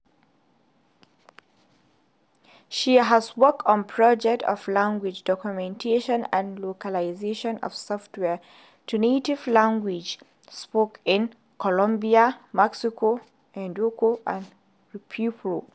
She has worked on projects of language documentation and localization of software to native languages spoken in Colombia, Mexico, Ecuador and Peru.